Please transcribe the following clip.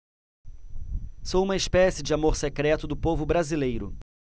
sou uma espécie de amor secreto do povo brasileiro